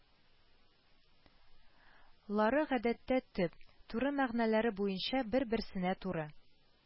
Лары гадәттә төп, туры мәгънәләре буенча бер-берсенә туры